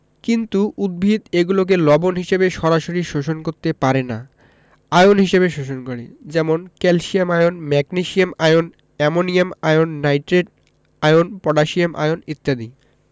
কিন্তু উদ্ভিদ এগুলোকে লবণ হিসেবে সরাসরি শোষণ করতে পারে না আয়ন হিসেবে শোষণ করে যেমন calcium ion magnesium ion ammonium ion nitrate ion potassium ion ইত্যাদি